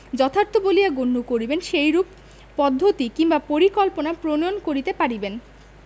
যথার্থ বলিয়া গণ্য করিবেন সেইরূপ পদ্ধতি কিংবা পরিকল্পনা প্রণয়ন করিতে পারিবেন